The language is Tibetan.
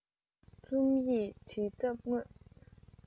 རྩོམ ཡིག འབྲི ཐབས དངོས